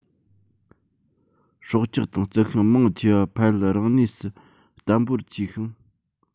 སྲོག ཆགས དང རྩི ཤིང མང ཆེ བ ཕ ཡུལ རང གནས སུ བརྟན པོར མཆིས ཤིང